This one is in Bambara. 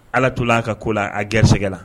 Ala t'o la'a ka ko la a garisɛgɛ la